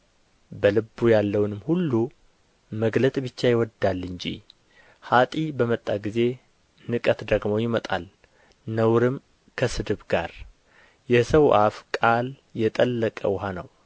በልቡ ያለውን ሁሉ መግለጥ ብቻ ይወድዳል እንጂ ኀጥእ በመጣ ጊዜ ንቀት ደግሞ ይመጣል ነውርም ከስድብ ጋር የሰው አፍ ቃል የጠለቀ ውኃ ነው